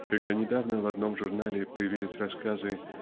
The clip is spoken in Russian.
Когда недавно в одном журнале появились рассказы